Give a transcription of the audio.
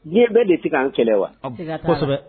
Diɲɛ bɛɛ de tigɛ k anan kɛlɛ wa